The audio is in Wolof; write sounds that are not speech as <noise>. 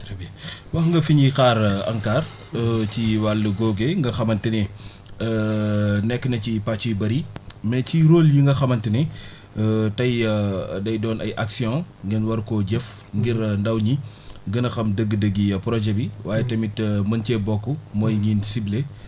très bien wax nga fi ñuy xaar ANCAR <hesitation> ci wàll googee nga xamante ni <breath> <hesitation> nekk na ci pàcc yu bëri mais ci rôle yi nga xamante ni <breath> <hesitation> tey <hesitation> day doon ay actions ngeen war koo jëf ngir ndaw ñi gën a xam dëgg-dëgg projet bi waaye tamit <hesitation> mën cee bokk mooy ñiñ cibler